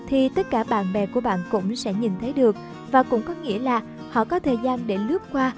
thì tất cả bạn bè của bạn cũng sẽ nhìn thấy được và cũng có nghĩa là họ có thời gian để lướt qua